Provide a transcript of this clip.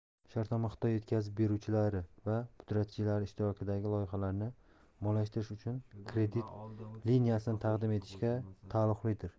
shartnoma xitoy yetkazib beruvchilari va pudratchilari ishtirokidagi loyihalarni moliyalashtirish uchun kredit liniyasini taqdim etishga taalluqlidir